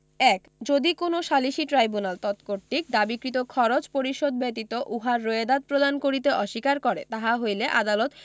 ১ যদি কোন সালিসী ট্রাইব্যুনাল তদকর্তৃক দাবীকৃত খরচ পরিশোধ ব্যতীত উহার রোয়েদাদ প্রদান করিতে অস্বীকার করে তাহা হইলে আদালত